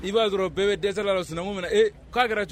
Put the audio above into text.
I b'a sɔrɔ bɛɛ bɛ dɛsɛ la sinaum min na k'a kɛra